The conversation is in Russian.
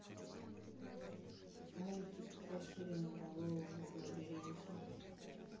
мультик про сереноголового в лабиринте